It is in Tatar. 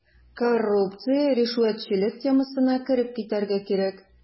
Коррупция, ришвәтчелек темасына кереп китәргә кирәк.